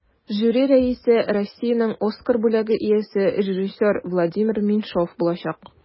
Жюри рәисе Россиянең Оскар бүләге иясе режиссер Владимир Меньшов булачак.